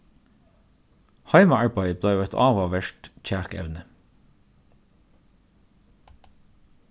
heimaarbeiðið bleiv eitt áhugavert kjakevni